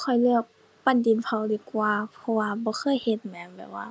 ข้อยเลือกปั้นดินเผาดีกว่า เพราะว่าบ่เคยเฮ็ดแหม แบบว่า